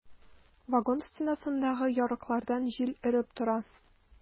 Вагон стенасындагы ярыклардан җил өреп тора.